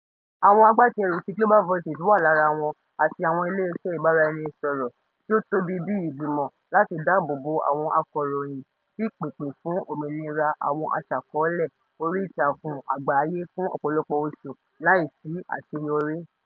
Àwọn agbátẹrù tí Global Voices wà lára wọn àti àwọn ilé iṣẹ́ ìbáraẹnisọ̀rọ̀ tí ó tóbi bíi Ìgbìmọ̀ láti Dáàbòbò Àwọn Akọ̀ròyìn ti pèpè fún òmìnira àwọn aṣàkọ́ọ́lẹ̀ orí ìtàkùn àgbáyé fún ọ̀pọ̀lọpọ̀ oṣù, láìsí àṣeyọrí.